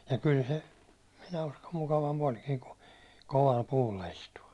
ja kyllä se minä uskon mukavampi olikin kuin kovalla puulla istua